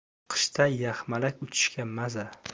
qishda yaxmalak uchishga maza